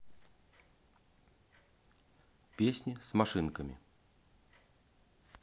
песни с машинами